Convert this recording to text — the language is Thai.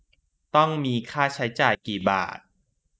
ต้องมีค่าใช้จ่ายกี่บาท